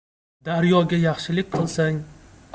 daryoga yaxshilik qilsang